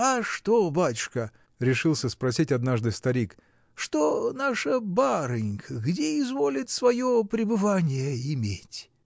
-- А что, батюшка, -- решился спросить однажды старик, -- что наша барынька, где изволит свое пребывание иметь?